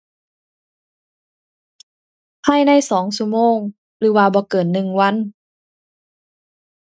ภายในสองชั่วโมง หรือว่าบ่เกินหนึ่งวัน